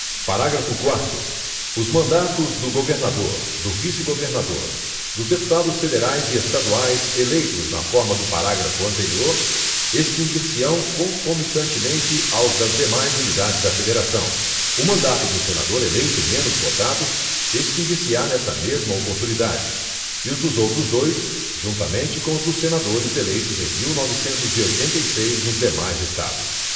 parágrafo quarto os mandatos do governador do vice governador dos deputados federais e estaduais eleitos na forma do parágrafo anterior extinguir se ão concomitantemente aos das demais unidades da federação o mandato do senador eleito menos votado extinguir se á nessa mesma oportunidade e os dos outros dois juntamente com os dos senadores eleitos em mil e novecentos e oitenta e seis nos demais estados